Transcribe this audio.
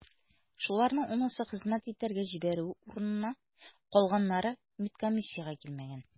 Шуларның унысы хезмәт итәргә җибәрү урынына, калганнары медкомиссиягә килмәгән.